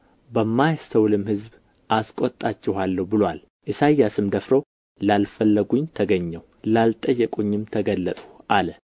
በማያስተውልም ሕዝብ አስቆጣችኋለሁ ብሎአል ኢሳይያስም ደፍሮ ላልፈለጉኝ ተገኘሁ ላልጠየቁኝም ተገለጥሁ አለ